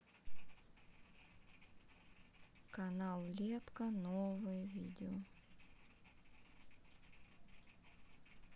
канал лепка новые видео